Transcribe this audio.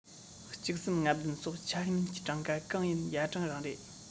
གཅིག གསུམ ལྔ བདུན སོགས ཆ མིན གྱི གྲངས ཀ གང ཡིན ཡ གྲངས རང རེད